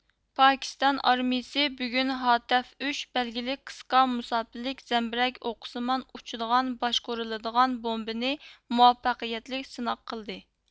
پاكىستان ئارمىيىسى بۈگۈن ھاتەف ئۈچ بەلگىلىك قىسقا مۇساپىلىك زەمبىرەك ئوقىسىمان ئۇچىدىغان باشقۇرۇلىدىغان بومبىنى مۇۋەپپەقىيەتلىك سىناق قىلدى